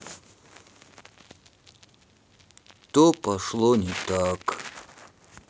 то пошло не так